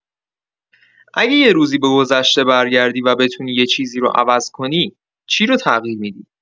اگه یه روزی به گذشته برگردی و بتونی یه چیزی رو عوض کنی، چی رو تغییر می‌دی؟